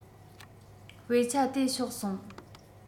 དཔེ ཆ དེ ཕྱོགས སོང